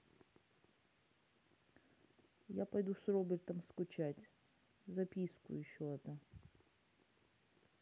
я пойду с робертом скучать записку еще одна